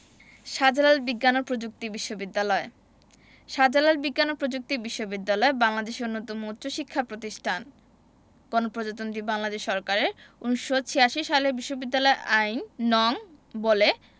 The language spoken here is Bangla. শাহ্জালাল বিজ্ঞান ও প্রযুক্তি বিশ্ববিদ্যালয় শাহ্জালাল বিজ্ঞান ও প্রযুক্তি বিশ্ববিদ্যালয় বাংলাদেশের অন্যতম উচ্চশিক্ষা প্রতিষ্ঠান গণপ্রজাতন্ত্রী বাংলাদেশ সরকারের ১৯৮৬ সালে বিশ্ববিদ্যালয় আইন নং বলে